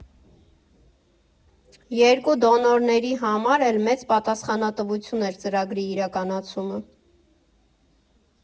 Երկու դոնորների համար էլ մեծ պատասխանատվություն էր ծրագրի իրականացումը։